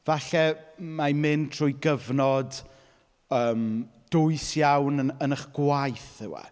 Falle mai mynd trwy gyfnod, yym, dwys iawn yn yn eich gwaith yw e.